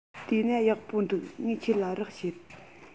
དེ ན ཡག པོ འདུག ངས ཁྱོད ལ རོགས བྱེད